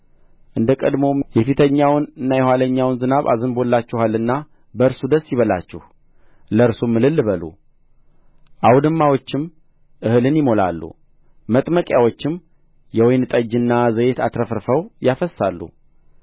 እንደ ቀድሞውም የፊተኛውንና የኋለኛውን ዝናብ አዝንቦላችኋልና በእርሱ ደስ ይበላችሁ ለእርሱም እልል በሉ አውድማዎችም እህልን ይሞላሉ መጥመቂያዎችም የወይን ጠጅንና ዘይትን አትረፍርፈው ያፈስሳሉ